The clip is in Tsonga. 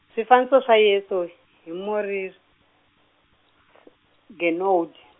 swifaniso swa Yesu, hi Morier , Genoud.